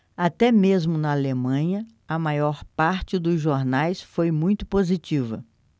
até mesmo na alemanha a maior parte dos jornais foi muito positiva